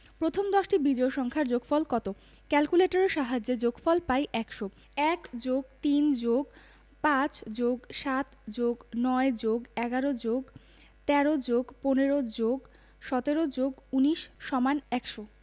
প্রথম দশটি বিজোড় সংখ্যার যোগফল কত ক্যালকুলেটরের সাহায্যে যোগফল পাই ১০০ ১+৩+৫+৭+৯+১১+১৩+১৫+১৭+১৯=১০০